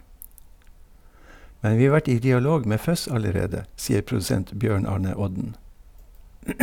Men vi har vært i dialog med Fuzz allerede, sier produsent Bjørn Arne Odden.